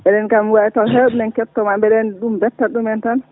mbiɗa anndi kam waawi taw heewɓe nana kettomaa mbeɗa anndi ɗum bettat ɗumen tan